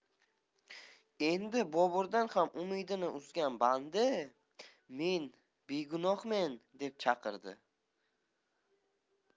endi boburdan ham umidini uzgan bandi men begunohmen deb qichqirdi